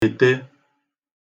-kete